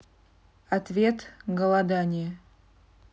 ответ голодание